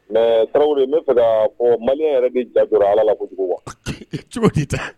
Mɛ tarawele bɛ fɛ ko mali yɛrɛ ni dara ala la ko cogo cogo di tɛ